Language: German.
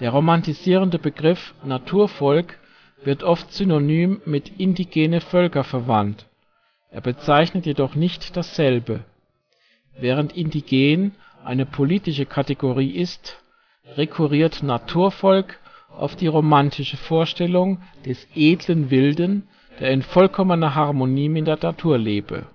romantisierende Begriff Naturvolk wird oft synonym mit " Indigene Völker " verwandt, er bezeichnet jedoch nicht dasselbe. Während indigen eine politische Kategorie ist, rekurriert Naturvolk auf die romantische Vorstellung des Edlen Wilden, der in vollkommener Harmonie mit der Natur lebe